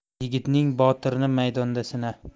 yigitning botirini maydonda sina